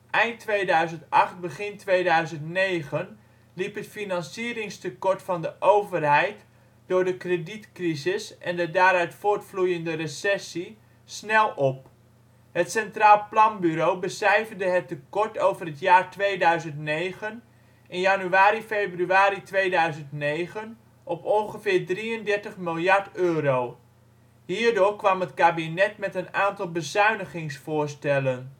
Eind 2008 begin 2009 liep het financieringstekort van de overheid door de kredietcrisis en de daaruit voortvloeiende recessie snel op. Het Centraal Planbureau becijferde het tekort over het jaar 2009 in januari/februari 2009 op ongeveer 33 miljard euro. Hierdoor kwam het kabinet met een aantal bezuinigingsvoorstellen